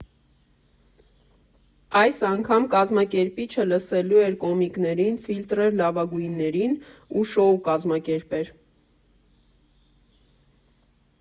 Այս անգամ կազմակերպիչը լսելու էր կոմիկներին, ֆիլտրեր լավագույններին ու շոու կազմակերպեր։